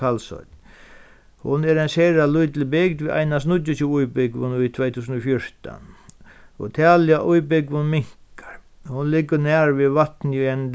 kalsoynni hon er ein sera lítil bygd við einans níggjuogtjúgu íbúgvum í tvey túsund og fjúrtan og talið á íbúgvum minkar hon liggur nær við vatnið í einum